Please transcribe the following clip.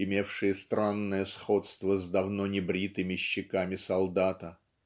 имевшие странное сходство с давно не бритыми щеками солдата"